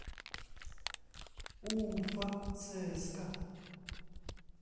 уфа цска